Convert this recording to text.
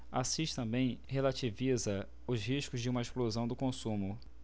assis também relativiza os riscos de uma explosão do consumo